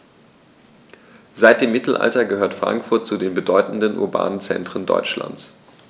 Seit dem Mittelalter gehört Frankfurt zu den bedeutenden urbanen Zentren Deutschlands.